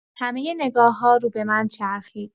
همۀ نگاه‌ها رو به من چرخید.